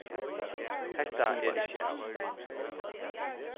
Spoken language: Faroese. hetta er ikki av